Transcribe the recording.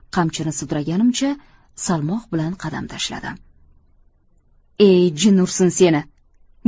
qamchini sudraganimcha salmoq bilan qadam tashladim e jin ursin seni